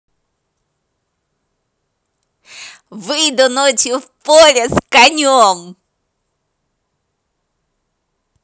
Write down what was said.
выйду ночью в поле с конем